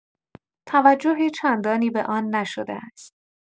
توجه چندانی به آن نشده است.